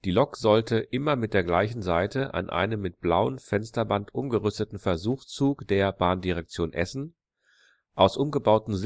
Lok sollte immer mit der gleichen Seite an einem mit blauen Fensterband umgerüsteten Versuchszug der BD Essen aus umgebauten